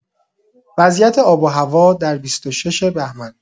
وضعیت آب و هوا در ۲۶ بهمن